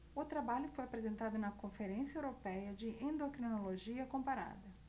o trabalho foi apresentado na conferência européia de endocrinologia comparada